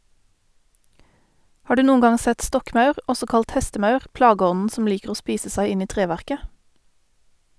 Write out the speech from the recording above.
Har du noen gang sett stokkmaur, også kalt hestemaur, plageånden som liker å spise seg inn i treverket?